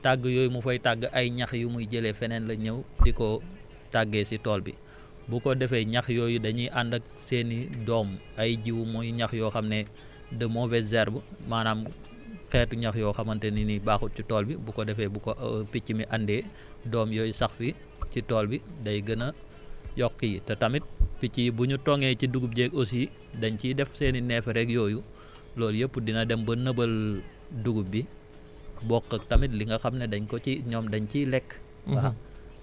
waaw tagg yooyu mu fay tagg ay ñax yu muy jëlee feneen lañ ñëw di ko taggee si tool bi bu ko defee ñax yooyu dañuy ànd ak seen i doom ay jiw muy ñax yoo xam ne de mauvaises herbes maanaam xeetu ñax yoo xamante ne ni baaxut ci tool bi bu ko defee bu ko picc mi andee doom yooyu sax fi ci tool bi day gën a yokk yi te tamit picc yi bu ñu toŋee ci dugub jeeg aussi dañ ciy def seen i neefereeg yooyu loolu yëpp dina dem ba nëbal dugub bi bokk ak tamit li nga xam ne dañ ko ci ñoom dañ ciy lekk